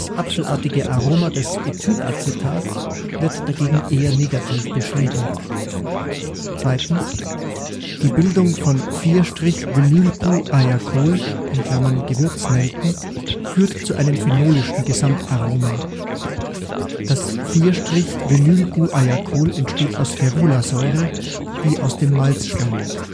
apfelartige Aroma des Ethylacetats wird dagegen eher negativ beschrieben. Die Bildung von 4-Vinylguajacol (Gewürznelken) führt zu einem phenolischen Gesamtaroma. Das 4-Vinylguajacol entsteht aus Ferulasäure, die aus dem Malz stammt